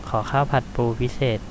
ขอข้าวผัดปูพิเศษ